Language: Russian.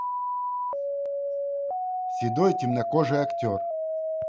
седой темнокожий актер